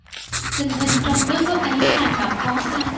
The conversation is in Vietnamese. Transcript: tình hình trong nước lúc ấy tràn ngập khó khăn